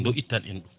yo ittan en ɗum